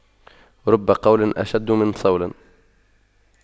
رب قول أشد من صول